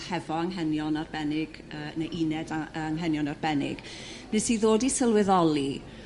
hefo anghenion arbennig yrr neu uned a- anghenion arbennig nes i ddod i sylweddoli